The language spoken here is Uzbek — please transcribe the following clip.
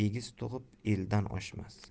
it egiz tug'ib eldan oshmas